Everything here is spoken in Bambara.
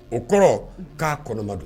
O kɔrɔ k'a kɔnɔmadon